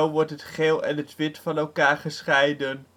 worden het geel en het wit van elkaar gescheiden